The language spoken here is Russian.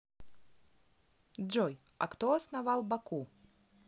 джой а кто основал баку